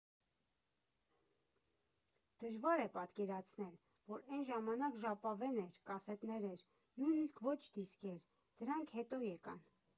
Դժվար է պատկերացնել, որ էն ժամանակ ժապավեն էր, կասետներ էր, նույնիսկ ոչ դիսկեր, դրանք հետո եկան։